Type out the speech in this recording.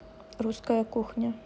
русская кухня